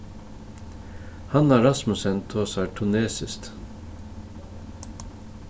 hanna rasmussen tosar tunesiskt